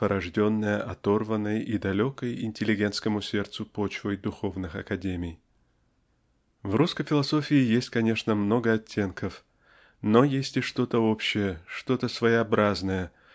порожденное оторванной и далекой интеллигентскому сердцу почвой духовных академий. В русской философии есть конечно много оттенков но есть и что-то общее что-то своеобразное